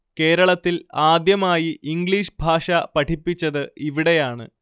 കേരളത്തിൽ ആദ്യമായി ഇംഗ്ലീഷ് ഭാഷ പഠിപ്പിച്ചത് ഇവിടെയാണ്